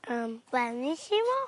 Yym belisimo.